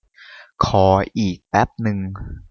ขออีกแปปนึง